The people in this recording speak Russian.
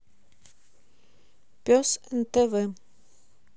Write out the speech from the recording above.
пес нтв